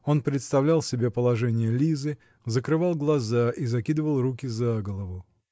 он представлял себе положение Лизы, закрывал глаза и закидывал руки за голову.